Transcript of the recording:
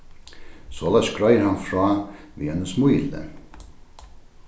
soleiðis greiðir hann frá við einum smíli